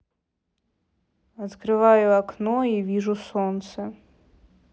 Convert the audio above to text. открываю окно и вижу солнце